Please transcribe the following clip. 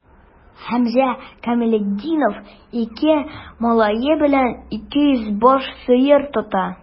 Хәмзә Камалетдинов ике малае белән 200 баш сыер тота.